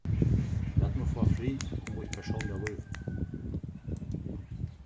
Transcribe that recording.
latið meg fáa frið um mítt persónliga lív